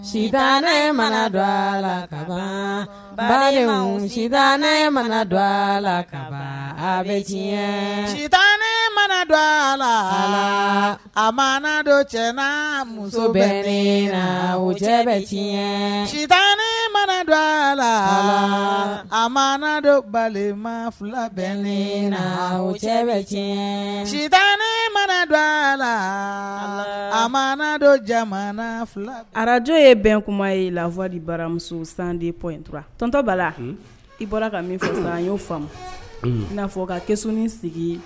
Si mana dɔ a la ka bali sita ne mana dɔ a la bɛ diɲɛ si mana dɔ a la a ma dɔ cɛ muso bɛ wo cɛ sita mana dɔ a la a ma dɔ balima fila bɛ le cɛ bɛ cɛ sita mana dɔ a la a mana dɔ jamana fila arajo ye bɛn kuma ye la fɔ ni baramuso sandi paul intura tɔnontɔ bala i bɔra ka min fɔtura an n'o fa in'a fɔ ka kɛsnin sigi